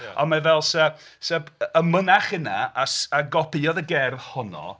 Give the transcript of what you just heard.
Ond mae fel 'sa... 'sa y mynach yna a s- a gopïodd y gerdd honno...